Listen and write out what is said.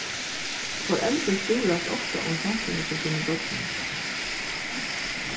foreldur stúrast ofta um framtíðina hjá sínum børnum